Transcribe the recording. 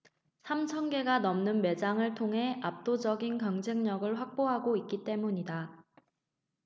삼천 개가 넘는 매장을 통해 압도적인 경쟁력을 확보하고 있기 때문이다